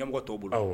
Ɲɛmɔgɔ tɔw bolo, awɔ